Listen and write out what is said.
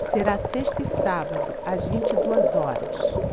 será sexta e sábado às vinte e duas horas